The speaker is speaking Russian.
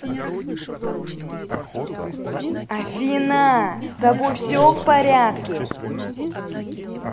альфина с тобой все в порядке